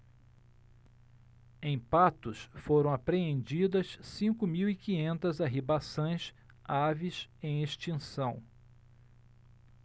em patos foram apreendidas cinco mil e quinhentas arribaçãs aves em extinção